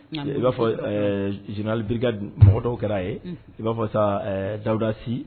I b'a fɔ zinali bi mɔgɔ dɔw kɛra ye i b'a fɔ sa dawudasi